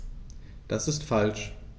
Das ist falsch.